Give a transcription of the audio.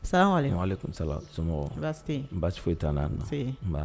Saya'ale tun saba sumaworo se baasi foyi tan se